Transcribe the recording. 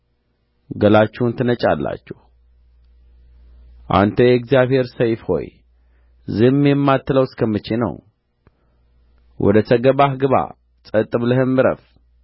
ገላችሁን ትነጫላችሁ አንተ የእግዚአብሔር ሰይፍ ሆይ ዝም የማትለው እስከ መቼ ነው ወደ ሰገባህ ግባ ጸጥ ብለህም ዕረፍ